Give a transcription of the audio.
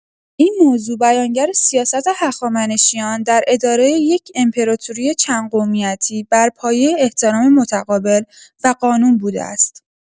این موضوع بیانگر سیاست هخامنشیان در اداره یک امپراتوری چندقومیتی بر پایه احترام متقابل و قانون بوده است.